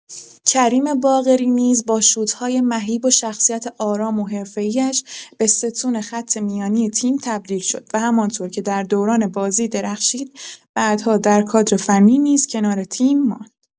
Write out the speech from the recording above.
کریم باقری نیز با شوت‌های مهیب و شخصیت آرام و حرفه‌ای‌اش به ستون خط میانی تیم تبدیل شد و همان‌طور که در دوران بازی درخشید، بعدها در کادرفنی نیز کنار تیم ماند.